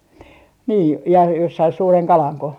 niin niin ja jos sai suuren kalanko